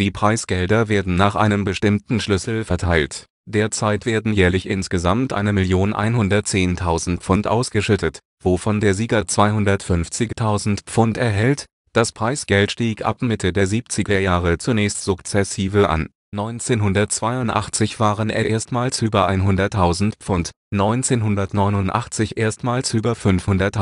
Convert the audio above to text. Preisgelder werden nach einem bestimmten Schlüssel verteilt. Derzeit werden jährlich insgesamt 1.110.000 £ ausgeschüttet, wovon der Sieger 250.000 £ erhält. Das Preisgeld stieg ab Mitte der 70er-Jahre zunächst sukzessive an: 1982 waren es erstmals über 100.000 £, 1989 erstmals über 500.000